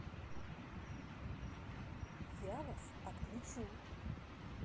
я вас отключу